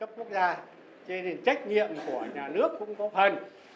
cấp quốc gia thế thì trách nhiệm của nhà nước cũng có phần